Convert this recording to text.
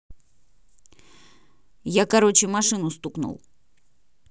я короче машину стукнул